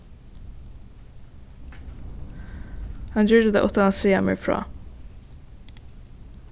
hann gjørdi tað uttan at siga mær frá